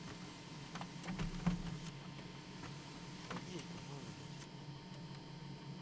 убей кого нибудь